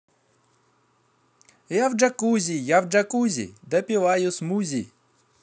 я в джакузи я в джакузи допиваю смузи